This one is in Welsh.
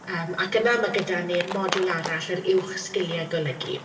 yym ac yna ma' gyda ni'r modiwl arall, yr uwch sgiliau golygu.